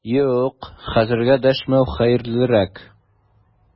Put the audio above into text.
Юк, хәзергә дәшмәү хәерлерәк!